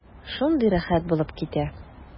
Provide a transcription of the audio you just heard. Шундый рәхәт булып китә.